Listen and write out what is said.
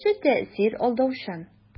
Беренче тәэсир алдаучан.